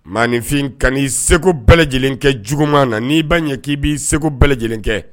Minfin ka n'i segu bɛɛ lajɛlen kɛ juguman na n'i b baa ɲɛ k'i bɛi segu bɛɛ lajɛlen kɛ